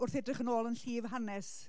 wrth edrych yn ôl, yn llif hanes.